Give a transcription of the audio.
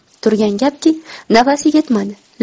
turgan gapki nafasi yetmadi